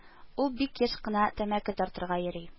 Ул бик еш кына тәмәке тартырга йөри